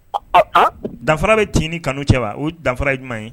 Ɔ dafara bɛ tiin ni kanu cɛba o dafara jumɛn ye